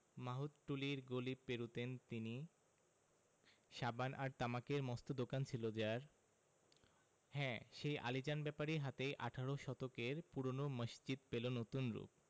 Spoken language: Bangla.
মাহুতটুলির গলি পেরুতেন তিনি সাবান আর তামাকের মস্ত দোকান ছিল যার হ্যাঁ সেই আলীজান ব্যাপারীর হাতেই আঠারো শতকের পুরোনো মসজিদ পেলো নতুন রুপ